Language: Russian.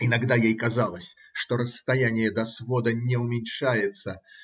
Иногда ей казалось, что расстояние до свода не уменьшается.